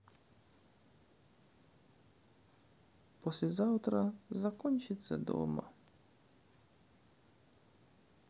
послезавтра закончится дома